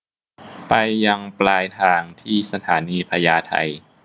ไปยังปลายทางที่สถานีพญาไท